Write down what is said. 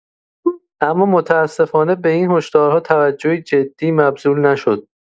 اما متاسفانه به این هشدارها توجهی جدی مبذول نشد.